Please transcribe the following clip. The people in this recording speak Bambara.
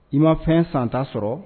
I ma fɛn santa sɔrɔ